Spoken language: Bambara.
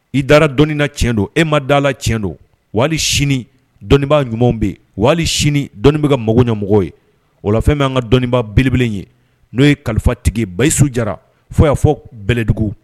I dara dɔnnii na cɛn don e ma dala la tiɲɛ don wali sini dɔnnibaa ɲumanw bɛ wali sini dɔnnii bɛ ka mɔgɔw ɲɛmɔgɔ ye ofɛn bɛ an ka dɔnniibaa belebele ye n'o ye kalifatigi basiyisu jara fo y'a fɔ bɛlɛdugu